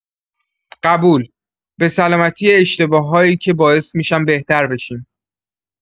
قبول، به سلامتی اشتباه‌هایی که باعث می‌شن بهتر بشیم.